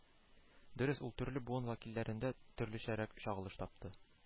Дөрес, ул төрле буын вәкилләрендә төрлечәрәк чагылыш тапты,